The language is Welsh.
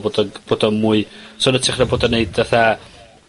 bod yn, bod o'n mwy... So yn ytrach na bod yn neud fatha